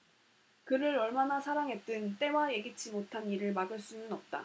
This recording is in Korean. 그를 얼마나 사랑했든 때와 예기치 못한 일을 막을 수는 없다